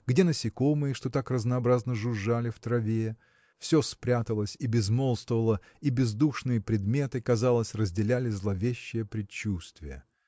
Где насекомые, что так разнообразно жужжали в траве? Все спряталось и безмолвствовало и бездушные предметы казалось разделяли зловещее предчувствие.